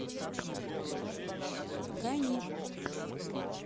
гони